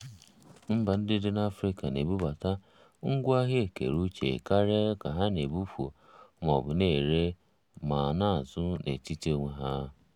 Mba ndị dị n'Afrịka na-ebubata ngwa ahịa ekere uche karịa ka ha na-ebupụ ma ọ bụ na-ere ma azụ n'etiti onwe ha.